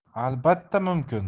albatta mumkin